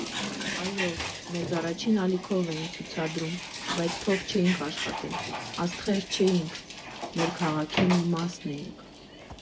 Այո՝ մեզ Առաջին ալիքով էին ցուցադրում, բայց փող չէինք աշխատում, աստղեր չէինք, մեր քաղաքի մի մասն էինք։